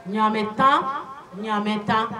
Ɲaaamɛ tan ɲaaamɛ tan